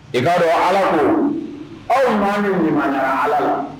I ka dɔn Ala ko aw maa minnu limaniyara Ala la